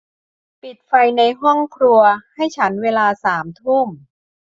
ปิดไฟในห้องครัวให้ฉันเวลาสามทุ่ม